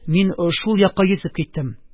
Мин шул якка йөзеп киттем...